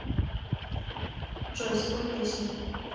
джой спой песню